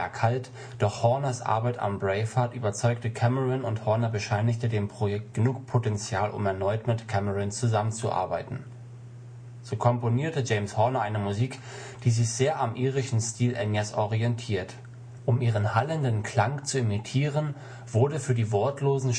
Horners Arbeit an Braveheart überzeugte Cameron und Horner bescheinigte dem Projekt genug Potenzial, um erneut mit Cameron zusammenzuarbeiten. So komponierte James Horner eine Musik, die sich sehr am irischen Stil Enyas orientiert. Um ihren hallenden Klang zu imitieren, wurde für die wortlosen